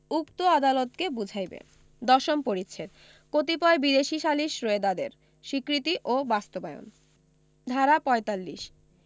উক্ত আদালত কে বুঝাইবে দশম পরিচ্ছেদ কতিপয় বিদেশী সালিস রোয়েদাদের স্বীকৃতি ও বাস্তবায়ন ধারা ৪৫